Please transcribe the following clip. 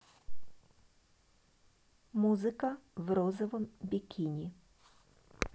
музыка в розовом бикини